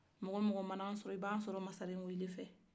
mɔgɔ o mɔgɔ ma n'a sɔrɔ i b'an sɔrɔ masarenw de fɛ